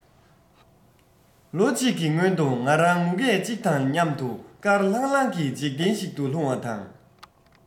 ལོ གཅིག གི སྔོན དུ ང རང ངུ སྐད གཅིག དང མཉམ དུ དཀར ལྷང ལྷང གི འཇིག རྟེན ཞིག ཏུ ལྷུང བ དང